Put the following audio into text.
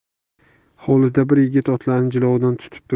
hovlida bir yigit otlarni jilovidan tutib turibdi